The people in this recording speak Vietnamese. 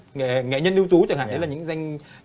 nghệ nghệ nhân ưu tú chẳng hạn đấy là những danh